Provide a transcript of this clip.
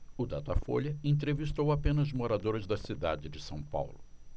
o datafolha entrevistou apenas moradores da cidade de são paulo